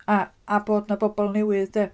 A- a bod 'na bobl newydd de?